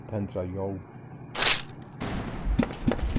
tendra ljóð